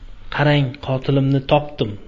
qarang qotilimni topdim